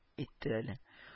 Итте әле